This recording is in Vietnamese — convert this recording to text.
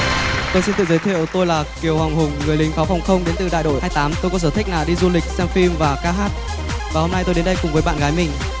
tôi xin tự giới thiệu tôi là kiều hoàng hùng người lính pháo phòng không đến từ đại đội hai tám tôi có sở thích là đi du lịch xem phim và ca hát và hôm nay tôi đến đây cùng với bạn gái mình